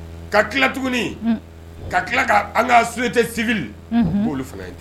Ka tila tuguni ka tila ka an ka s tɛ segu boli fana ye